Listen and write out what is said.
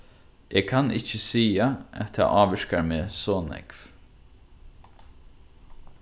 eg kann ikki siga at tað ávirkar meg so nógv